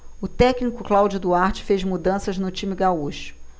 o técnico cláudio duarte fez mudanças no time gaúcho